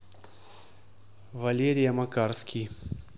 валерия макарский